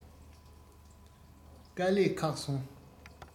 དཀའ ལས ཁག སོང